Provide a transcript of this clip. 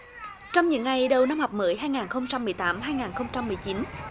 trong những ngày đầu năm học mới hai nghìn không trăm mười tám hai nghìn không trăm mười chín